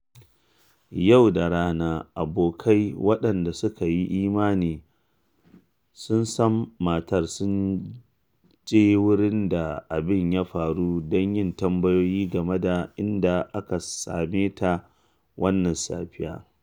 Yau da rana abokai waɗanda suka yi imani sun san matar sun je wurin da abin ya faru don yin tambayoyi game da inda aka same ta wannan safiyar.